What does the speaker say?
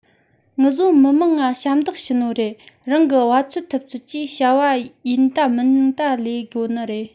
ངུ བཟོ མི དམངས ང ཞབས འདེགས ཞུ ནོ རེད རང གི བ ཚོད ཐུབ ཚོད གིས བྱ བ ཡིན ད མིན ད ལས དགོ ནི རེད